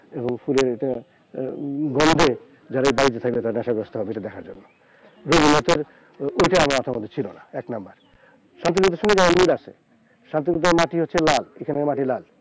এবং এই ফুলের এটা গন্ধে যারা এই বাড়িতে থাকে তারা নেশাগ্রস্ত হবে এটা দেখার জন্য রবীন্দ্রনাথের ওইটা আমার মাথার মধ্যে ছিল না এক নম্বর শান্তিনিকেতনের সঙ্গে এই জায়গার মিল আছে শান্তিনিকেতনের মাটি হচ্ছে লাল এখানের মাটি লাল